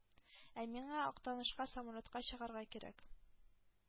Ә миңа Актанышка самолетка чыгарга кирәк.